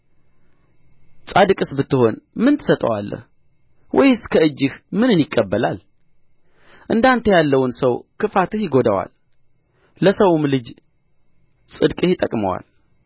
ጻድቅስ ብትሆን ምን ትሰጠዋለህ ወይስ ከእጅህ ምንን ይቀበላል እንደ አንተ ያለውን ሰው ክፋትህ ይጐዳዋል ለሰውም ልጅ ጽድቅህ ይጠቅመዋል